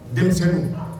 Denmisɛnw